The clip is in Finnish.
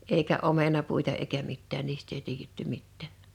eikä omenapuita eikä mitään niistä ei tiedetty mitään